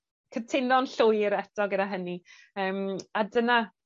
Cytuno'n llwyr eto gyda hynny. Yym a dyna